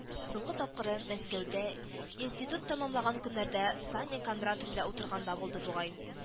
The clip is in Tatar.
Соңгы тапкыры Мәскәүдә институт тәмамлаган көннәрдә Саня Кондратов белән утырганда булды бугай